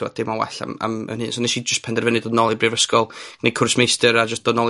t'mod' teimlo'n well am am fy hun. So nesh i js penderfynu dod nôl i'r brifysgol. Neud cwrs meistr a jys dod nôl i...